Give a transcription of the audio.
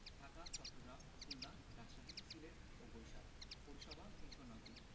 ঢাকা চট্টগ্রাম খুলনা রাজশাহী সিলেট ও বরিশাল পৌরসভা ৩০৯টি